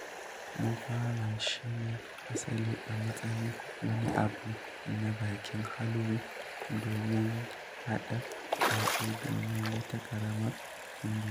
Mun fara shi ne asali a matsayin wani abu na bikin Halloween domin haɗa kuɗaɗe domin wata ƙaramar ƙungiya.